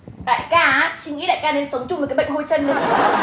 đại ca á chị nghĩ đại ca nên sống chung với cái bệnh hôi chân đi